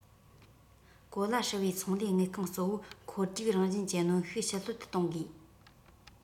གོ ལ ཧྲིལ པོའི ཚོང ལས དངུལ ཁང གཙོ བོ འཁོར རྒྱུག རང བཞིན གྱི གནོན ཤུགས ཞི ལྷོད དུ གཏོང དགོས